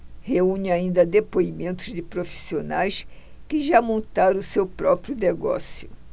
reúne ainda depoimentos de profissionais que já montaram seu próprio negócio